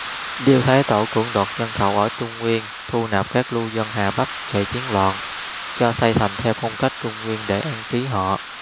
liêu thái tổ cưỡng đoạt nhân khẩu ở trung nguyên thu nạp các lưu dân hà bắc chạy chiến loạn cho xây thành theo phong cách trung nguyên để an trí họ